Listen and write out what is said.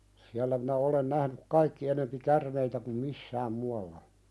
siellä minä olen nähnyt kaikki enempi käärmeitä kuin missään muualla